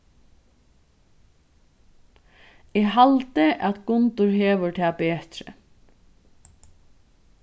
eg haldi at gundur hevur tað betri